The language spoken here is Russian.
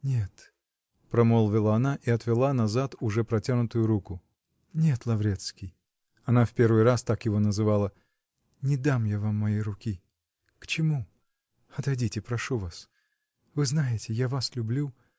-- Нет, -- промолвила она и отвела назад уже протянутую руку, -- нет, Лаврецкий (она в первый раз так его называла), не дам я вам моей руки. К чему? Отойдите, прошу вас. Вы знаете, я вас люблю.